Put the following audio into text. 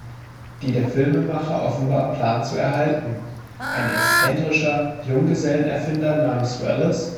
der Filmemacher offenbar plant zu erhalten − ein exzentrischer Junggesellen-Erfinder namens Wallace